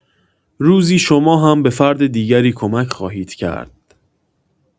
روزی شما هم به فرد دیگری کمک خواهید کرد.